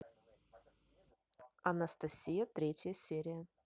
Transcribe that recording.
анастасия третья серия